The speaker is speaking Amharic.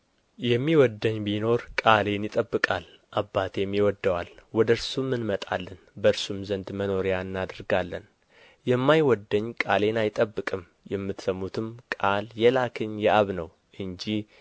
የሚወደኝ ቢኖር ቃሌን ይጠብቃል አባቴም ይወደዋል ወደ እርሱም እንመጣለን በእርሱም ዘንድ መኖሪያ እናደርጋለን የማይወደኝ ቃሌን አይጠብቅም የምትሰሙትም ቃል የላከኝ የአብ ነው እንጂ